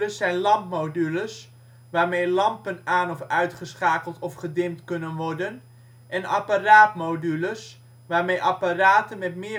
zijn lampmodules (waarmee lampen aan - of uitgeschakeld of gedimd kunnen worden) en apparaatmodules (waarmee apparaten